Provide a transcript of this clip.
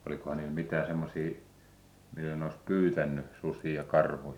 olikohan niillä mitään semmoisia millä ne olisi pyytänyt susia ja karhuja